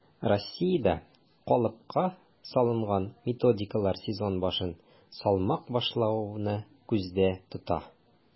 Россиядә калыпка салынган методикалар сезон башын салмак башлауны күздә тота: